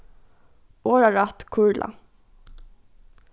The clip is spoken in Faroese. orðarætt kurla